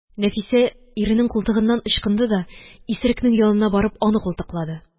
Нәфисә иренең култыгыннан ычкынды да, исерекнең янына барып, аны култыклады